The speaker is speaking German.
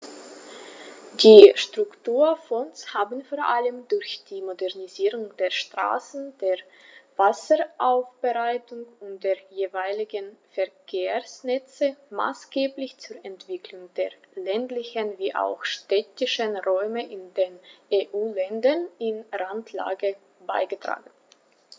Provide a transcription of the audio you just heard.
Die Strukturfonds haben vor allem durch die Modernisierung der Straßen, der Wasseraufbereitung und der jeweiligen Verkehrsnetze maßgeblich zur Entwicklung der ländlichen wie auch städtischen Räume in den EU-Ländern in Randlage beigetragen.